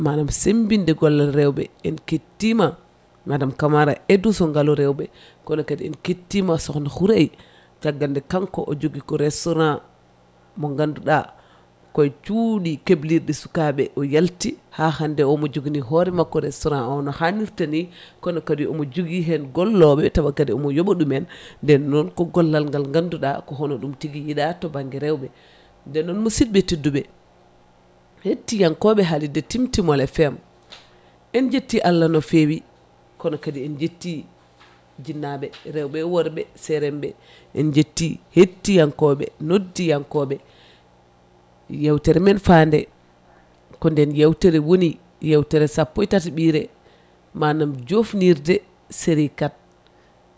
manam sembinde gollal rewɓe en kettima madame Camara e duuso ngaalu rewɓe kono kadi en kettima sokhna Hourayee caggal nde kanko o jogui ko restaurant mo ganduɗa ko cuuɗi keblirɗi sukaɓe o yalti ha hande o omo jogani hoore makko restaurant o no hannirta ni kono kadi omo jogui hen golloɓe tawa kadi omo yooɓaɗu men nden noon ko gollal ngal ganduɗa ko hono ɗum tigui yiiɗa to banggue rewɓe nden noon musidɓe tedduɓe hettiyankoɓe e haalirde Timtimol FM en jetti Allah no fewi kono kadi en jetti jinnaɓe rewɓe e worɓe ceeremɓe en jetti hettiyankoɓe noddiyankoɓe yewtere men faande ko nden yewtere woni yewtere sappo tati ɓiire manam joofnirde série 4